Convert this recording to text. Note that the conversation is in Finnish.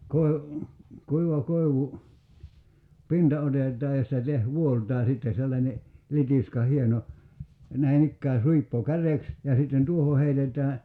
- kuiva koivu pinta otetaan ja sitä - vuollaaa sitten sellainen litiska hieno näin ikään suippo kärjeksi ja sitten tuohon heitetään